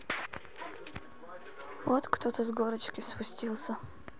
вот кто то с горочки спустился